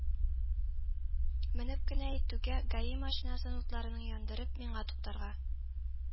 Менеп кенә итүгә ГАИ машинасы утларын яндырып, миңа туктарга